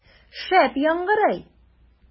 Шәп яңгырый!